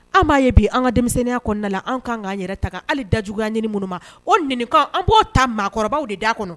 An m'a ye bi an ka denmisɛnninya kɔnɔna la an kanan ka an yɛrɛ ta hali da juguyaya ɲinin minnu ma o ninkan an b'o ta maakɔrɔbaw de d'a kɔnɔ